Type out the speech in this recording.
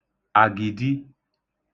àgìdi